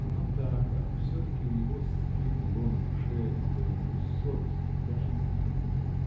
Оно так; а все-таки у него скребло на душе, и было ему совестно, и даже стыдно.